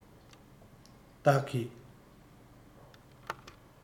བདག གིས